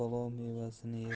balo mevasini yer